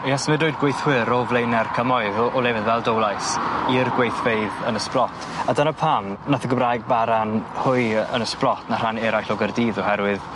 Ie symudwyd gweithwyr o flaene'r cymoedd o o lefydd fel Dowlais i'r gweithfeydd yn y Sblot a dyna pam nath y Gymraeg bara'n hwy yy yn y Sblot na rhane eraill o Gaerdydd oherwydd